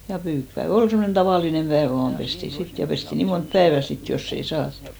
ja pyykkipäivä oli semmoinen tavallinen päivä vain pestiin sitten ja pestiin niin monta päivää sitten jos ei saatu